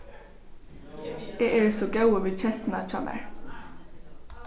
eg eri so góður við kettuna hjá mær